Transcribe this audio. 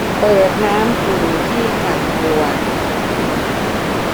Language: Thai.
เปิดน้ำอุ่นที่ฝักบัว